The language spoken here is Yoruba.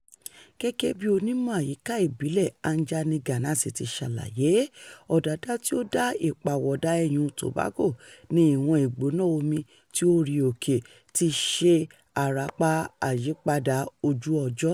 Gẹ́gẹ́ bí onímọ̀ àyíká ìbílẹ̀ Anjani Ganase ti ṣe ṣàlàyé, ọ̀dádá tí ó dá ìpàwọ̀dà iyùn-un Tobago ni ìwọ̀n ìgbóná omi tí ó re òkè — tí í ṣe arapa àyípadà ojú-ọjọ́.